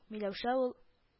Миләүшә ул